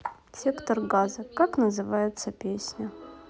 сектор газа как называется песня